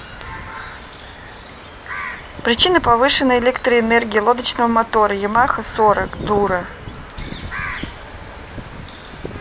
причины повышенной электроэнергии лодочного мотора ямаха сорок дура